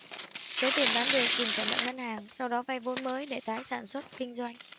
số tiền bán được dùng trả nợ ngân hàng sau đó vay vốn mới để tái sản xuất kinh doanh